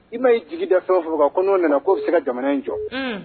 I ma y'i jigida fɛn fɔ kan ko n'o nana ko' bɛ se ka jamana in jɔ